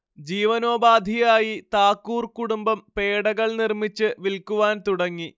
ജീവനോപാധിയായി താക്കൂർ കുടുംബം പേഡകൾ നിർമ്മിച്ച് വിൽക്കുവാൻ തുടങ്ങി